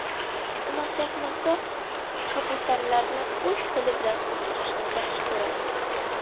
umarshayx mirzo kabutarlarni o'z qo'li bilan uchirishni yaxshi ko'rar edi